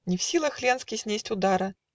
Не в силах Ленский снесть удара